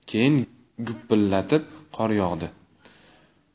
keyin gupillatib qor yog'di